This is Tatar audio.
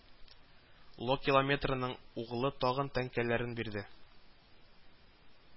Локилометранның углы тагын тәңкәләрен бирде